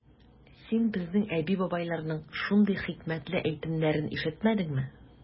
Син безнең әби-бабайларның шундый хикмәтле әйтемнәрен ишетмәдеңме?